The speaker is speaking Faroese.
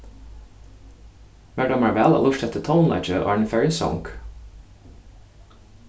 mær dámar væl at lurta eftir tónleiki áðrenn eg fari í song